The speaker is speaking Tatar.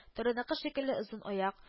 Тороныкы шикелле озын аяк